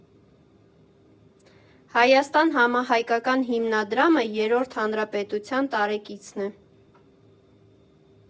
«Հայաստան» համահայկական հիմնադրամը Երրորդ հանրապետության տարեկիցն է։